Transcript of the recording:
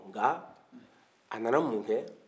nka a nana mun kɛ